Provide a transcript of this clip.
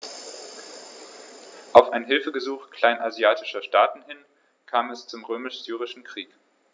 Auf ein Hilfegesuch kleinasiatischer Staaten hin kam es zum Römisch-Syrischen Krieg.